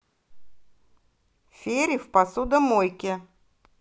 фери в посудомойке